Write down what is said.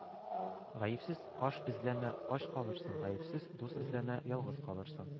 Гаепсез аш эзләмә ач калырсың, гаепсез дус эзләмә ялгыз калырсың